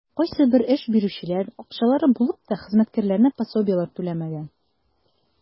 Кайсыбер эш бирүчеләр, акчалары булып та, хезмәткәрләренә пособиеләр түләмәгән.